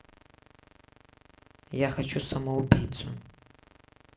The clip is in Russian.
я хочу самоубийцу